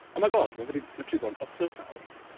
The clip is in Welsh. Oh my God mae fe 'di literally bod yn wythnos nawr.